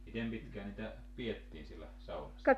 miten pitkään niitä pidettiin siellä saunassa